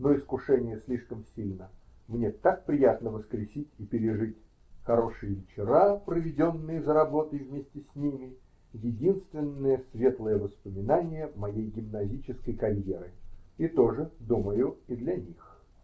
но искушение слишком сильно -- мне так приятно воскресить и пережить хорошие вечера, проведенные за работой вместе с ними, -- единственное светлое воспоминание моей гимназической карьеры, и то же, думаю, и для них.